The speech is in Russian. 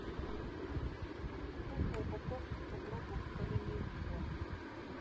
буква упаковка по гробу хоронил его